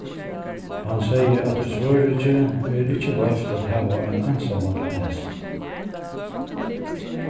hann segði at í svøríki er ikki loyvt at hava ein einsamallan hest